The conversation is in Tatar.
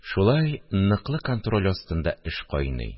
Шулай ныклы контроль астында эш кайный